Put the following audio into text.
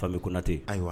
Fa kona tɛ ayiwa